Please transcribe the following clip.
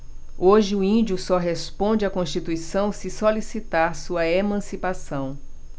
hoje o índio só responde à constituição se solicitar sua emancipação